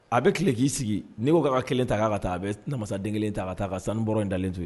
A bɛ tile k'i sigi n'i ko ka kelen ta k'a ka taa a bɛ namasaden kelen ta ka taa ka sanu bɔra in dalen to yen